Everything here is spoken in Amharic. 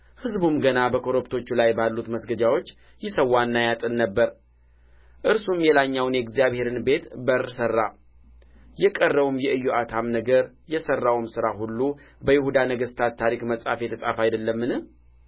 ሕዝቡም ገና በኮረብቶች ላይ ባሉት መስገጃዎች ይሠዋና ያጥን ነበር እርሱም የላይኛውን የእግዚአብሔርን ቤት በር ሠራ የቀረውም የኢዮአታም ነገር የሠራውም ሥራ ሁሉ በይሁዳ ነገሥታት ታሪክ መጽሐፍ የተጻፈ አይደለምን